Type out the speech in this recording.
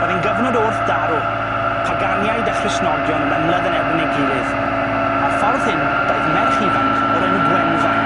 Oedd e'n gyfnod o wrthdaro, Paganiaid a Christnogion yn ymlydd yn erbyn ei gilydd, a'r ffordd hyn daeth merch ifanc o'r enw Gwenfain.